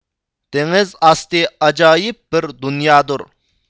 دېڭىز ئاستى ئاجايىپ بىر دۇنيادۇر